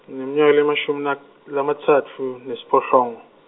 ngineminyaka lengemashumi nak-, lamatsatfu nesiphohlongo.